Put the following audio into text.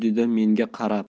dedi menga qarab